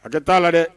Hakɛ t'a la dɛ